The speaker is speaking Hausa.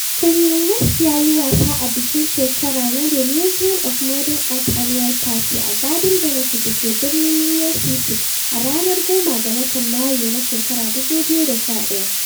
Kanye West ya yi wasa a bikin shekara-shekara na The Museum of Modern Art's annual Party a Garden benefit da ke birnin New York City a ranar 10 ga watan Mayu na shekarar 2011.